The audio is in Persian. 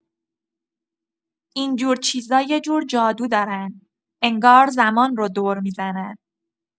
این جور چیزا یه جور جادو دارن، انگار زمان رو دور می‌زنن.